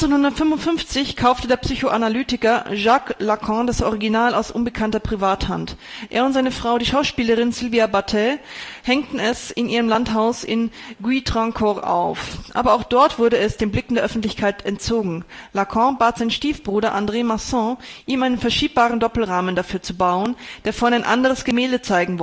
1955 kaufte der Psychoanalytiker Jacques Lacan das Original aus unbekannter Privathand. Er und seine Frau, die Schauspielerin Sylvia Bataille, hängten es in ihrem Landhaus in Guitrancourt auf. Aber auch dort wurde es den Blicken der Öffentlichkeit entzogen: Lacan bat seinen Stiefbruder André Masson, ihm einen verschiebbaren Doppelrahmen dafür zu bauen, der vorn ein anderes Gemälde zeigen